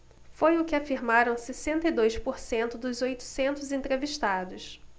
foi o que afirmaram sessenta e dois por cento dos oitocentos entrevistados